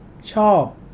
ชอบ